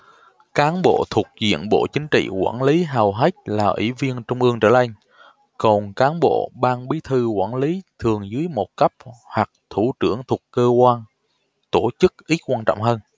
cán bộ thuộc diện bộ chính trị quản lý hầu hết là ủy viên trung ương trở lên còn cán bộ ban bí thư quản lý thường dưới một cấp hoặc thủ trưởng thuộc cơ quan tổ chức ít quan trọng hơn